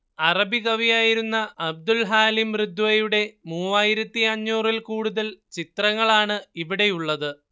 അറബികവി ആയിരുന്ന അബ്ദുൽ ഹാലിം റിദ്വയുടെ മൂവായിരത്തിയഞ്ഞൂറിൽ കൂടുതൽ ചിത്രങ്ങളാണ് ഇവിടെയുള്ളത്